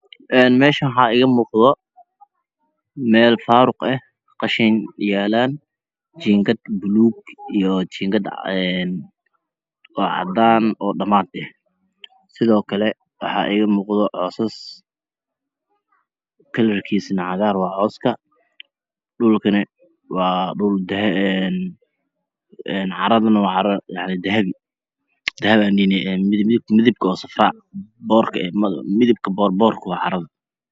Een meshaan waxaa iiga muuqdo meel faaruq eh qashin yaalaan jiinkad buluug iyo jiinkad een oo cadaan oo dhamaad eh sidoo kale waxaa iiga muuqdo coosas kalarkiisuna cagaar waayo cowska dhulkana waa dhul een caraduna waa caro dahabi dahabi aan dhihine midabka safraaa midabka boor_boorka waayo caraduna